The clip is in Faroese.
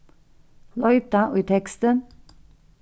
leita í teksti